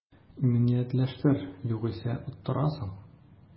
Иминиятләштер, югыйсә оттырасың